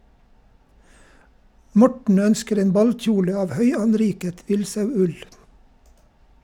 Morten ønsker en ballkjole av høyanriket villsauull.